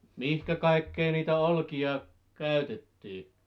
mihin kaikkeen niitä olkia käytettiin